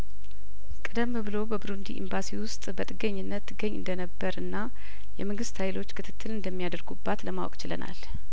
ቀደም ብሎ በብሩንዲ ኢምባሲ ውስጥ በጥገኝነት ትገኝ እንደነበር እና የመንግስት ሀይሎች ክትትል እንደሚያደርጉባት ለማወቅ ችለናል